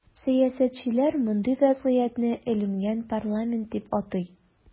Сәясәтчеләр мондый вазгыятне “эленгән парламент” дип атый.